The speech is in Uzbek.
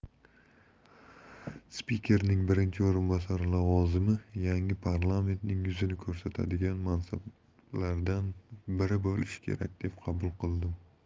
spikerning birinchi o'rinbosari lavozimi yangi parlamentning yuzini ko'rsatadigan mansablardan biri bo'lishi kerak deb qabul qildim